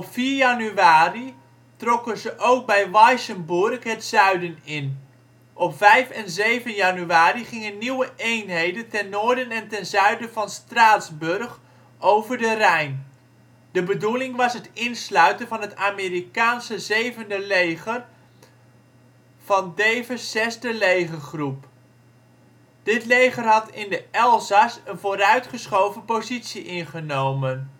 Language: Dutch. januari trokken ze ook bij Weissenburg het zuiden in; op 5 en 7 januari gingen nieuwe eenheden ten noorden en ten zuiden van Straatsburg over de Rijn. De bedoeling was het insluiten van het Amerikaanse 7e leger van Devers 6e legergroep. Dit leger had in de Elzas een vooruitgeschoven positie ingenomen